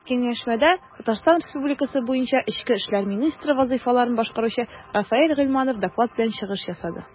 Киңәшмәдә ТР буенча эчке эшләр министры вазыйфаларын башкаручы Рафаэль Гыйльманов доклад белән чыгыш ясады.